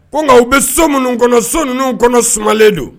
Ko nka u bɛ so minnu kɔnɔ so ninnu kɔnɔ sumalen don.